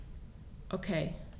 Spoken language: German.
Okay.